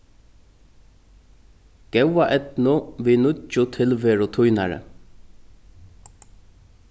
góða eydnu við nýggju tilveru tínari